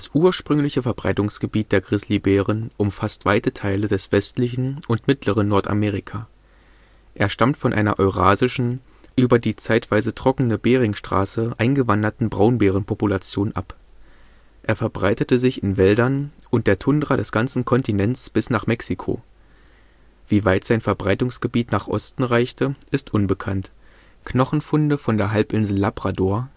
ursprüngliche Verbreitungsgebiet der Grizzlybären umfasst weite Teile des westlichen und mittleren Nordamerika. Er stammt von einer eurasischen, über die zeitweise trockene Beringstraße eingewanderten Braunbärenpopulation ab. Er verbreitete sich in Wäldern und der Tundra des ganzen Kontinents bis nach Mexiko. Wie weit sein Verbreitungsgebiet nach Osten reichte, ist unbekannt, Knochenfunde von der Halbinsel Labrador